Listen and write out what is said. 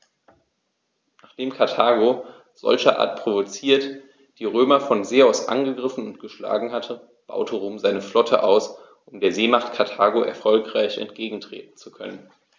Nachdem Karthago, solcherart provoziert, die Römer von See aus angegriffen und geschlagen hatte, baute Rom seine Flotte aus, um der Seemacht Karthago erfolgreich entgegentreten zu können.